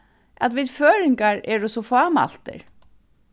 at vit føroyingar eru so fámæltir